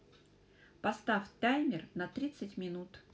поставь таймер на тридцать минут